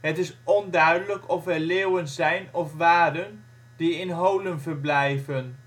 Het is onduidelijk of er leeuwen zijn of waren die in holen verblijven